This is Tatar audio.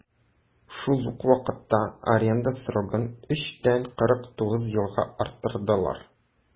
Шул ук вакытта аренда срогын 3 тән 49 елга арттырдылар.